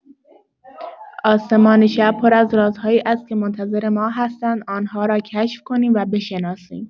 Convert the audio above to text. آسمان شب پر از رازهایی است که منتظر ما هستند آن‌ها را کشف کنیم و بشناسیم.